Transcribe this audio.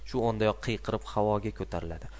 shu ondayoq qiyqirib havoga ko'tariladi